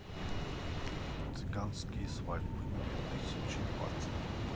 цыганские свадьбы две тысячи двадцать